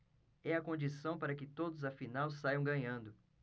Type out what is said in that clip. é a condição para que todos afinal saiam ganhando